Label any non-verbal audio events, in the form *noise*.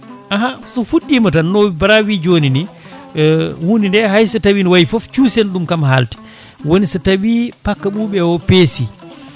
ahan so fuɗɗima tan no Bara wi joni ni *hesitation* hunde nde hayso tawi ne waɗi foof cuusen ɗum kam haalde woni so tawi pakka Ɓuuɓe o peesi